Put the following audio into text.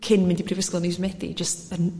hmm cyn mynd i brifysgol yn mis Medi jyst yn